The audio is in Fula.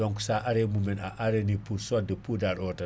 donc sa are mum a arani pour sodde poudare o tan